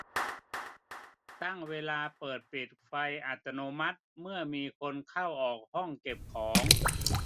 ตั้งเวลาเปิดปิดไฟอัตโนมัติเมื่อมีคนเข้าออกห้องเก็บของ